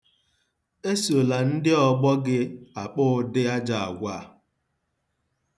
Esola ndị ọgbọ gị akpa ụdị ajọ agwa a.